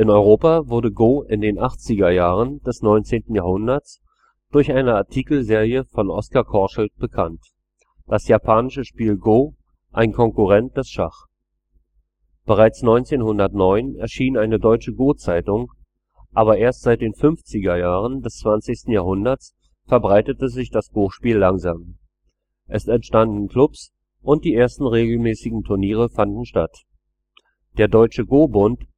Europa wurde Go in den 80er Jahren des 19. Jahrhunderts durch eine Artikelserie von Oskar Korschelt bekannt: Das japanisch-chinesische Spiel „ Go “. Ein Concurrent des Schach. Bereits 1909 erschien eine deutsche Go-Zeitung, aber erst seit den 50er Jahren des 20. Jahrhunderts verbreitete sich das Go-Spiel langsam. Es entstanden Clubs und die ersten regelmäßigen Turniere fanden statt. Der Deutsche Go-Bund